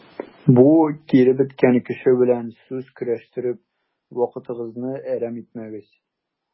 Бу киребеткән кеше белән сүз көрәштереп вакытыгызны әрәм итмәгез.